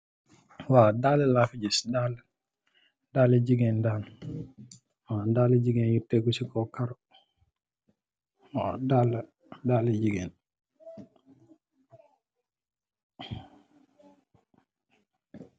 Dalla la fi gis, dalli gigeen dal, dalli gigeen yu tégu ci kaw karo.